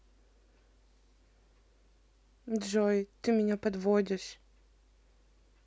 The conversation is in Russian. джой ты меня подводишь